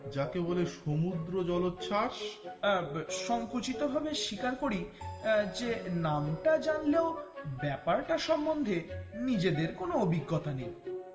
যাকে বলে সমুদ্র জলোচ্ছ্বাস সংকোচিত ভাবে স্বীকার করি যে নামটা জানলেও ব্যাপারটা সম্বন্ধে নিজেদের কোন অভিজ্ঞতা নেই